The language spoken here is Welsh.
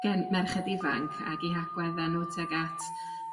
gen merched ifanc ag 'u hagwedde nhw tuag at